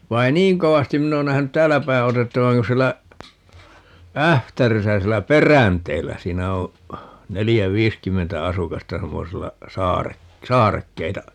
vaan en niin kovasti minä ole nähnyt täällä päin otettavan kun siellä Ähtärissä siellä Peränteellä siinä on neljä viisikymmentä asukasta semmoisella - saarekkeita